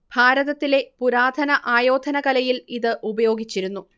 ഭാരതത്തിലെ പുരാതന ആയോധനകലയിൽ ഇത് ഉപയോഗിച്ചിരുന്നു